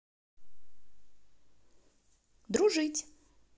дружить